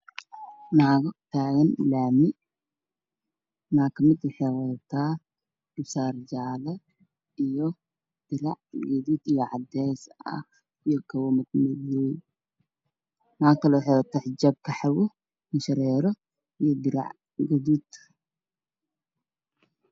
Naago taagan laami naag ka mid waxay wadtaaa garba saar jaale iyo dirac gaduud iyo cadeys ah iyo kabo madmadow naag kale waxey wadataa xijaab Qaxwi inshareero iyo dirac gaduud